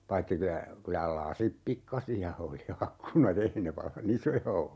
paitsi kyllä kyllä lasit pikkaisia oli ikkunat ei ne vallan isoja ollut